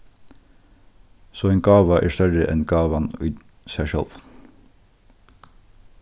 so ein gáva er størri enn gávan í sær sjálvum